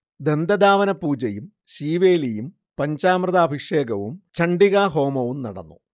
ദന്തധാവനപൂജയും ശീവേലിയും പഞ്ചാമൃത അഭിഷേകവും ചണ്ഡികാഹോമവും നടന്നു